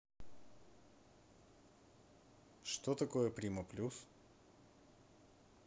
что такое prima plus